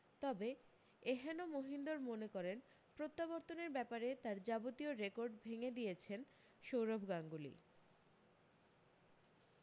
তবে এহেন মহিন্দর মনে করেন প্রত্যাবর্তনের ব্যাপারে তার যাবতীয় রেকর্ড ভেঙে দিয়েছেন সৌরভ গাঙ্গুলি